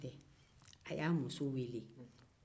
a y'a muso weele